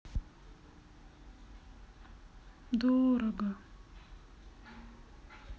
дорого